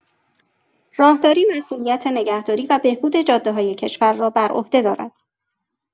راهداری مسئولیت نگهداری و بهبود جاده‌های کشور را بر عهده دارد.